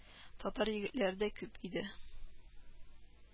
Татар егетләре дә күп иде